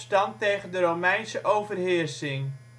de Romeinse overheersing